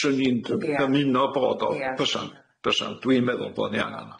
Swn i'n d- dymuno bod o bysan bysan dwi'n meddwl bo ni angan o.